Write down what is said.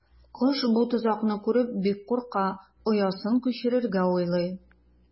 Кош бу тозакны күреп бик курка, оясын күчерергә уйлый.